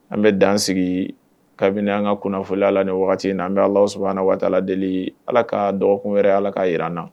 An bɛ dan sigi kabini an ka kunnafoni la ni waati na an bɛ ala sɔrɔ waatila deli ala ka dɔgɔkun wɛrɛ ala ka jira an na